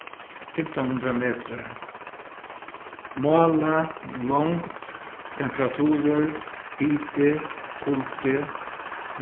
fimtan hundrað metrar mála longd temperaturur hiti kuldi